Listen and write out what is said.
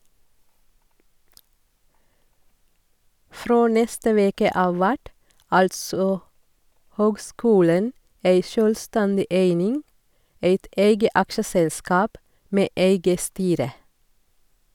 Frå neste veke av vert altså høgskulen ei sjølvstendig eining, eit eige aksjeselskap med eige styre.